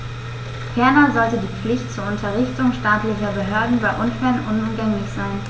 Ferner sollte die Pflicht zur Unterrichtung staatlicher Behörden bei Unfällen unumgänglich sein.